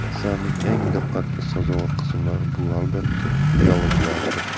asarning eng diqqatga sazovor qismlari bu albatta dialoglardir